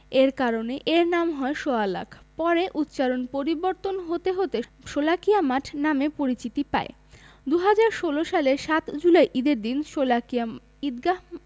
এ কারণে এর নাম হয় সোয়া লাখ পরে উচ্চারণ পরিবর্তন হতে হতে শোলাকিয়া মাঠ নামে পরিচিতি পায় ২০১৬ সালের ৭ জুলাই ঈদের দিন শোলাকিয়া ঈদগাহ